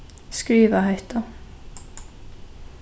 skriva hetta